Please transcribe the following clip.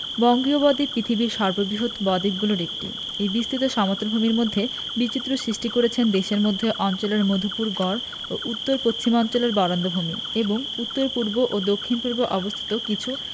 বঙ্গীয় বদ্বীপ পৃথিবীর সর্ববৃহৎ বদ্বীপগুলোর একটি এই বিস্তৃত সমতল ভূমির মধ্যে বৈচিত্র্য সৃষ্টি করেছে দেশের মধ্য অঞ্চলের মধুপুর গড় উত্তর পশ্চিমাঞ্চলের বরেন্দ্রভূমি এবং উত্তর পূর্ব ও দক্ষিণ পূর্বে অবস্থিত কিছু